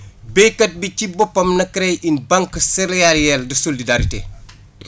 béykat bi ci boppam na créé une banque cérélière de solodarité